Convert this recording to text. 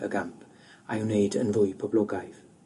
y gamp a'i wneud yn fwy poblogaidd.